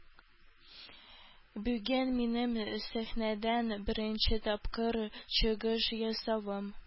Бүген минем сәхнәдән беренче тапкыр чыгыш ясавым.